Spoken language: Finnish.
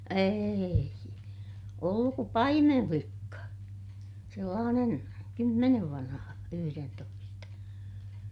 ei ollut kun paimenlikka sellainen kymmenen vanha yhdentoista